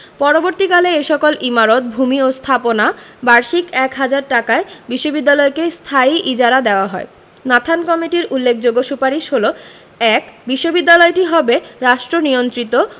পরবর্তীকালে এ সকল ইমারত ভূমি ও স্থাপনা বার্ষিক এক হাজার টাকায় বিশ্ববিদ্যালয়কে স্থায়ী ইজারা দেওয়া হয় নাথান কমিটির উল্লেখযোগ্য সুপারিশ হলো: ১. বিশ্ববিদ্যালয়টি হবে রাষ্ট্রনিয়ন্ত্রিত